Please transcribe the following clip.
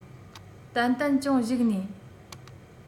ཏན ཏན ཅུང གཞིགས ནས